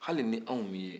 hali ni anw m'i ye